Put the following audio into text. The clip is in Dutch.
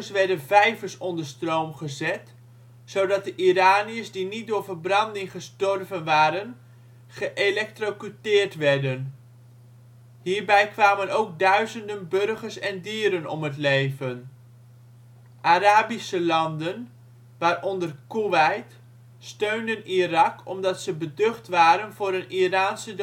werden vijvers onder stroom gezet, zodat de Iraniërs die niet door verbranding gestorven waren geëlektrocuteerd werden. Hierbij kwamen ook duizenden burgers en dieren om het leven. [bron?] Arabische landen, waaronder Koeweit, steunden Irak omdat ze beducht waren voor een Iraanse